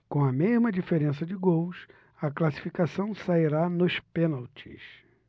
com a mesma diferença de gols a classificação sairá nos pênaltis